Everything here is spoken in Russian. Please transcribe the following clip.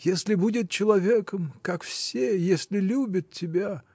если будет человеком, как все. если любит тебя.